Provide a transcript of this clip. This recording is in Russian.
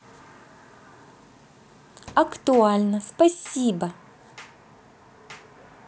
актуально спасибо